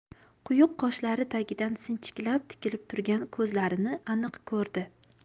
quyuq qoshlari tagidan sinchiklab tikilib turgan ko'zlarini aniq ko'rdi